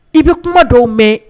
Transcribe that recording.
I bɛ kuma dɔw mɛn